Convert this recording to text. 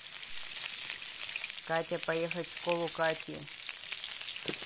катя поехать в школу кати